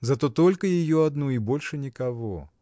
Зато только ее одну и больше никого.